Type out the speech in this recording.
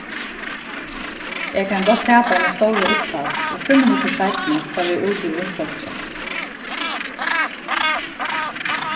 eg kann gott tapa eina stóra upphædd og fimm minuttir seinni fara út við vinfólki